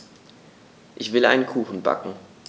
Ich will einen Kuchen backen.